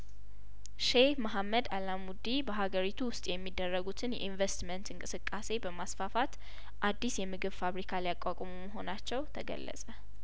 ሼህ መሀመድ አላሙዲ በአገሪቱ ውስጥ የሚያደርጉትን የኢንቨስትመንት እንቅስቃሴ በማስፋፋት አዲስ የምግብ ፋብሪካ ሊያቋቋሙ መሆናቸው ተገለጸ